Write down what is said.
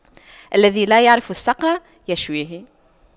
الذي لا يعرف الصقر يشويه